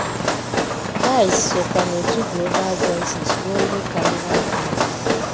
Díaz sokwa n'òtù Global Voices ruo ihe karịrị afọ iri.